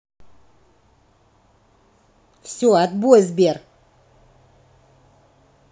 все отбой сбер